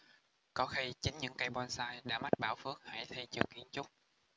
có khi chính những cây bonsai đã mách bảo phước hãy thi trường kiến trúc